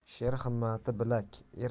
sher himmati bilak